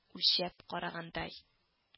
Үлчәп карагандай